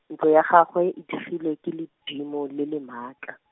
ntlo ya gagwe e digilwe ke ledimo le le maatla.